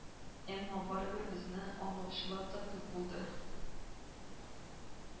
Әмма барыбер безне аңлаучылар да күп булды